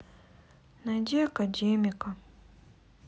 найди академика